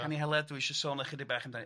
Canu Heledd dwi isio sôn ychydig bach amdani.